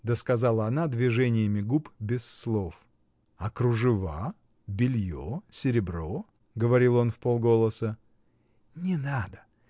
— досказала она движениями губ, без слов. — А кружева, белье, серебро? — говорил он вполголоса. — Не надо!